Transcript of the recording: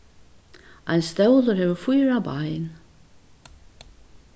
ein stólur hevur fýra bein